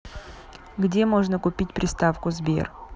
где можно купить приставку сбер